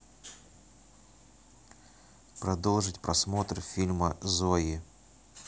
продолжить просмотр фильма зои